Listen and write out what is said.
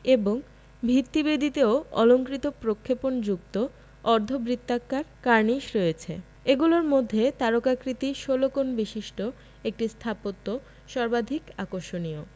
ভিত্তিবেদিতেও অলঙ্কৃত প্রক্ষেপণযুক্ত অর্ধবৃত্তাকার কার্নিস রয়েছে এগুলির মধ্যে তারকাকৃতির ষোল কোণ বিশিষ্ট একটি স্থাপত্য সর্বাধিক আকর্ষণীয়